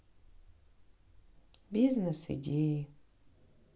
бизнес идеи